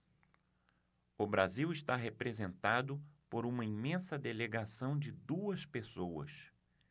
o brasil está representado por uma imensa delegação de duas pessoas